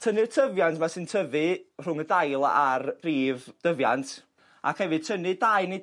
tynnu'r tyfiant 'ma sy'n tyfu rhwng y dail a'r prif dyfiant ac hefyd tynnu dau neu